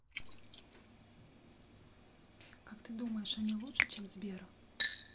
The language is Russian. как ты думаешь они лучше чем сбер